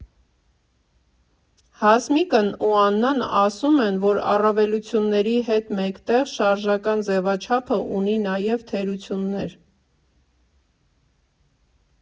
Հասմիկն ու Աննան ասում են, որ առավելությունների հետ մեկտեղ շարժական ձևաչափը ունի նաև թերություններ։